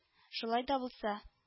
Шулай да, булса